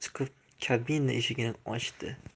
chiqib kabina eshigini ochdi